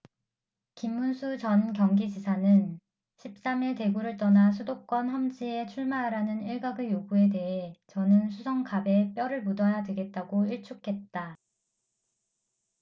김문수 전 경기지사는 십 삼 일 대구를 떠나 수도권 험지에 출마하라는 일각의 요구에 대해 저는 수성갑에 뼈를 묻어야 되겠다고 일축했다